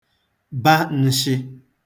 ba n̄shị̄